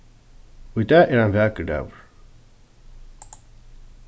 í dag er ein vakur dagur